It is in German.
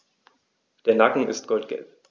Der Nacken ist goldgelb.